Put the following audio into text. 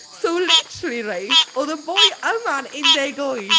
So literally reit, oedd y boi yma’n un deg wyth...